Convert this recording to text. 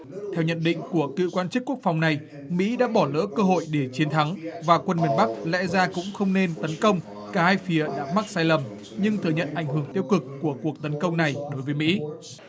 theo nhận định của cựu quan chức quốc phòng này mỹ đã bỏ lỡ cơ hội để chiến thắng và quân miền bắc lẽ ra cũng không nên tấn công cả hai phía đã mắc sai lầm nhưng thừa nhận ảnh hưởng tiêu cực của cuộc tấn công này đối với mỹ